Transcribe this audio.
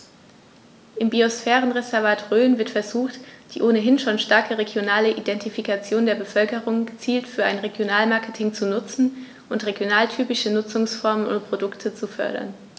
Im Biosphärenreservat Rhön wird versucht, die ohnehin schon starke regionale Identifikation der Bevölkerung gezielt für ein Regionalmarketing zu nutzen und regionaltypische Nutzungsformen und Produkte zu fördern.